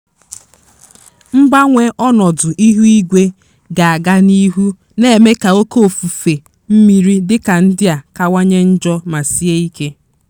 Mgbanwe ọnọdụ ihu igwe ga-aga n'ihu na-eme ka oke ifufe mmiri dịka ndị a kawanye njọ ma sie ike.